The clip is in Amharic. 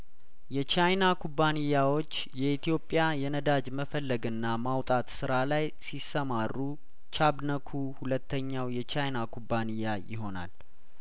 የቻይና ኩባንያዎች የኢትዮጵያ የነዳጅ መፈለግና ማውጣት ስራ ላይ ሲሰማሩ ቻብነኩ ሁለተኛው የቻይና ኩባንያ ይሆናል